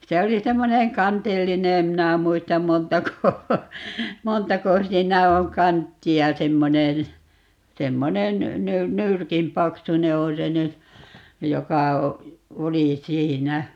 se oli semmoinen kantillinen en minä muista montako montako siinä on kanttia semmoinen semmoinen - nyrkin paksuinen on se nyt joka oli siinä